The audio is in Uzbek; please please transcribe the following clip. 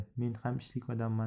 men ham ishlik odamman